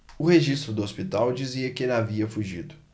o registro do hospital dizia que ele havia fugido